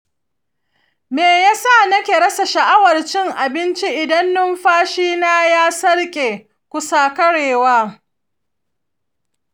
me yasa nake rasa sha'awar cin abinci idan numfashina ya sarƙe/kusa ƙarewa?